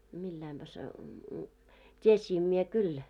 millä laillapa se tiesin minä kyllä